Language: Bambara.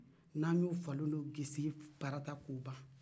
n'an y'o falen n'o gese parata k'o ban